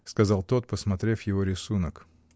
— сказал тот, посмотрев его рисунок.